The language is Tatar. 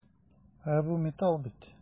Ә бу металл бит!